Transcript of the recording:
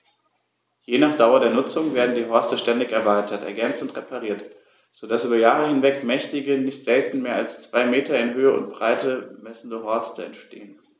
Je nach Dauer der Nutzung werden die Horste ständig erweitert, ergänzt und repariert, so dass über Jahre hinweg mächtige, nicht selten mehr als zwei Meter in Höhe und Breite messende Horste entstehen.